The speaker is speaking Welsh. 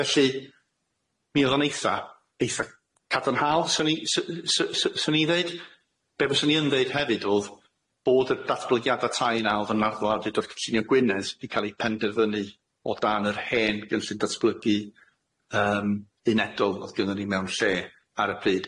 Felly mi odd o'n eitha eitha cadarnhaol swn i s- s- s- swn i ddeud, be' fyswn i yn ddeud hefyd o'dd bod y datblygiada tai yna o'dd yn arddol a ddeudodd cynllunio Gwynedd i ca'l ei penderfynu o dan yr hen gynllun datblygu yym unedol o'dd gynnon ni mewn lle ar y pryd.